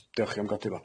Dioch chi am godi fo.